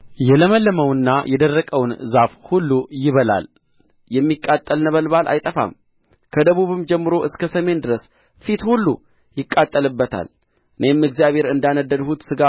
የለመለመውንና የደረቀውን ዛፍ ሁሉ ይበላል የሚቃጠል ነበልባል አይጠፋም ከደቡብም ጀምሮ እስከ ሰሜን ድረስ ፊት ሁሉ ይቃጠልበታል እኔም እግዚአብሔር እንዳነደድሁት ሥጋ